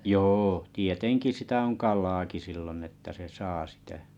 joo tietenkin sitä on kalaakin silloin että se saa sitä